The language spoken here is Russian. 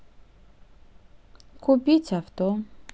купить авто